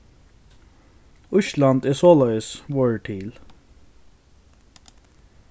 ísland er soleiðis vorðið til